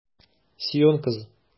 Сион кызы!